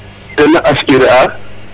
ten a aspirer a